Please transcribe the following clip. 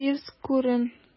Пивз, күрен!